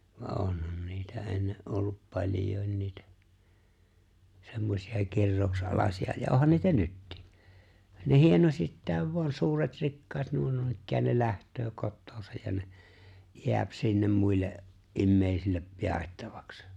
vaan onhan niitä ennen ollut paljokin niitä semmoisia kirouksen alaisia ja onhan niitä nytkin niin hienosittain vain suuret rikkaat nuo noinikään ne lähtee kotoansa ja ne jää sinne muille ihmisille jaettavaksi